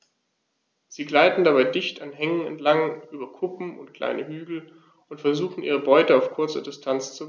Sie gleiten dabei dicht an Hängen entlang, über Kuppen und kleine Hügel und versuchen ihre Beute auf kurze Distanz zu überraschen.